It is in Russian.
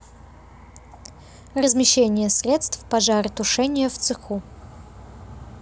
размещение средств пожаротушения в цеху